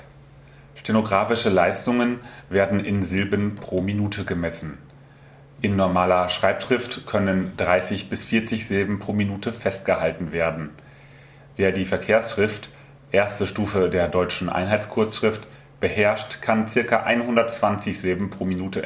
Stenografische Leistungen werden in Silben pro Minute gemessen. In normaler Schreibschrift können 30 bis 40 Silben pro Minute festgehalten werden. Wer die Verkehrsschrift (erste Stufe der Deutschen Einheitskurzschrift) beherrscht, kann ca. 120 Silben pro Minute